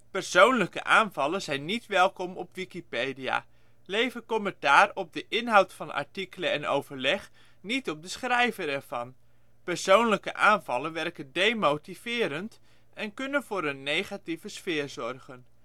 Persoonlijke aanvallen zijn niet welkom op wikipedia. Lever commentaar op de inhoud van artikelen en overleg, niet op de schrijver ervan. Persoonlijke aanvallen werken demotiverend, en kunnen voor een negatieve sfeer zorgen